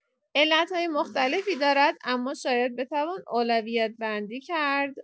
علت‌های مختلفی دارد، اما شاید بتوان اولویت‌بندی کرد.